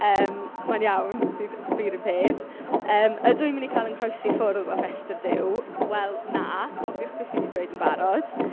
Yym mae'n iawn fi'n... fi'r un peth yym ydw i'n mynd i cael yng nghroesi ffwrdd o restr Duw? Wel na cofiwch beth fi 'di dweud yn barod.